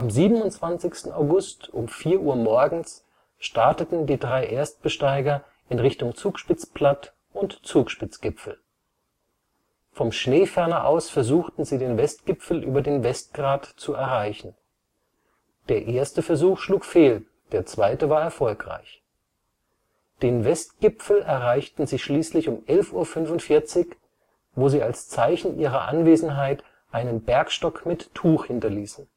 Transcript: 27. August um vier Uhr morgens starteten die drei Erstbesteiger in Richtung Zugspitzplatt und Zugspitzgipfel. Vom Schneeferner aus versuchten sie den Westgipfel über den Westgrat zu erreichen. Der erste Versuch schlug fehl, der zweite war erfolgreich. Den Westgipfel erreichten sie schließlich um 11:45 Uhr, wo sie als Zeichen ihrer Anwesenheit einen Bergstock mit Tuch hinterließen